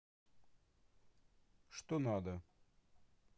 что надо